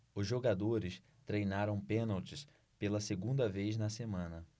os jogadores treinaram pênaltis pela segunda vez na semana